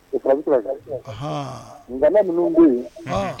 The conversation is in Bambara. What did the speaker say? O fana bɛ se ka kɛ, ɔnhɔn, nka na ninnu bɛ yen.